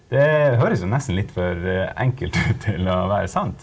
det høres jo nesten litt for enkelt ut til å være sant.